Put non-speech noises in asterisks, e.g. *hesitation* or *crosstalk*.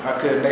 *hesitation* *hesitation*